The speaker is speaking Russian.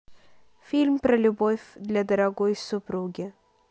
фильм про любовь для дорогой супруги